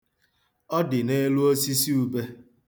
Ọ dị n'elu osisi ube.